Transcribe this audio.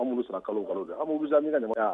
Kalo kalo